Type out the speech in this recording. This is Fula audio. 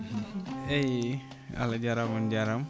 eyyi Allah jarama on jarama